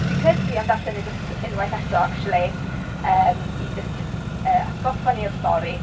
Dw i'n credu dw i am darllen e jyst unwaith eto acshyli yym i jyst n- yy atgoffa ni o'r stori.